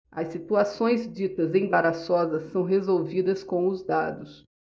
as situações ditas embaraçosas são resolvidas com os dados